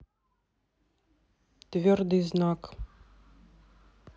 твердый знак